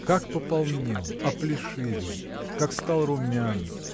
Как пополнел, оплешивел, как стал румян!